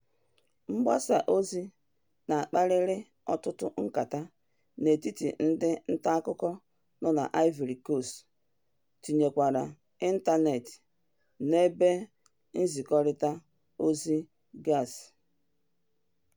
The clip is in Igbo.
Mgbasa ozi a kpaliri ọtụtụ nkata n'etiti ndị ntaakụkọ nọ n'Ivory Coast tinyekwara ịntanetị na ebe nzịkọrịta ozi gasị.